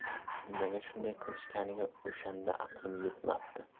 nimaga shunday qilishganiga o'shanda aqlim yetmabdi